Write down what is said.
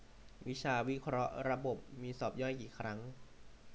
วิชาวิเคราะห์ระบบมีสอบย่อยกี่ครั้ง